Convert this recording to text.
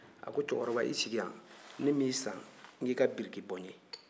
a ko cɛkɔrɔba i sigi yan ne m'i san n ko i ka n ko i ka biriki bɔ n ye